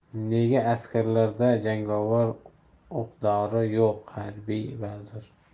nega askarlarda jangovar o'q dori yo'q harbiy vazir